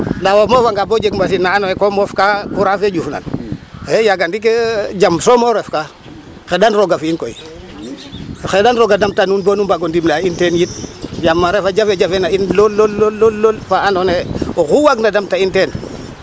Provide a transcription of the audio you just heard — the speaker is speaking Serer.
Ndaa o moofanga bo jeg machine na andoona yee ko moofka foras fe ƴufnan xe yaaga ndik jam soom o ref ka xeɗan rega fi' in koy xeɗan bo roog a waag o dimle a nuun teen bo mbaag o ndimle'a in teen boog yaam a refa jafe jafe na in lool lool fa andona yee oxu waagna damta in teen.